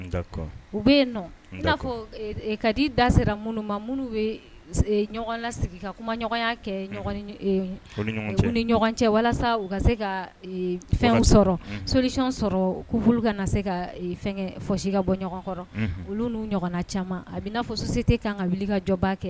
U bɛ yen'a fɔ ka di da sera minnu ma minnu bɛ ɲɔgɔn sigi ka kuma ɲɔgɔnya kɛ ni ɲɔgɔn cɛ walasa u ka se ka fɛnw sɔrɔ sosi sɔrɔ'u ka se ka fɔsi ka bɔ ɲɔgɔnkɔrɔ olu n'u ɲɔgɔnna caman a bɛ'a fɔ so se tɛ kan ka wuli ka jɔba kɛ